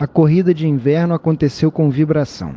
a corrida de inverno aconteceu com vibração